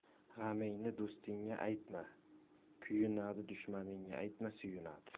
g'amingni do'stingga aytma kuyunadi dushmaningga aytma suyunadi